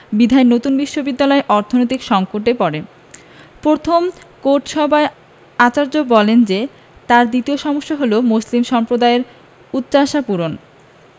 বিধায় নতুন বিশ্ববিদ্যালয় অর্থনৈতিক সংকটে পড়ে প্রথম কোর্ট সভায় আচার্য বলেন যে তাঁর দ্বিতীয় সমস্যা হলো মুসলিম সম্প্রদায়ের উচ্চাশা পূরণ